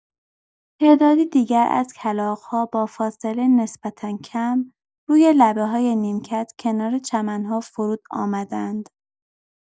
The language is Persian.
تعدادی دیگر از کلاغ‌ها با فاصله نسبتا کم روی لبه‌های نیمکت کنار چمن‌ها فرود آمدند.